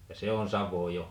ja se on Savoa jo